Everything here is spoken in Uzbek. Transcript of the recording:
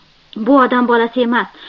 bu odam bolasi emas